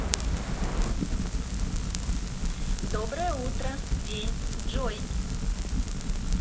доброе утро день джой